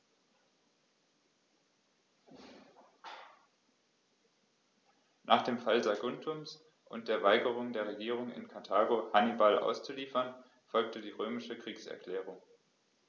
Nach dem Fall Saguntums und der Weigerung der Regierung in Karthago, Hannibal auszuliefern, folgte die römische Kriegserklärung.